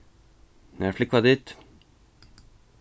nær flúgva tit